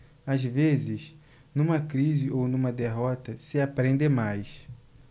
às vezes numa crise ou numa derrota se aprende mais